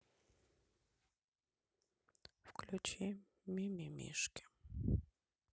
включи ми ми мишки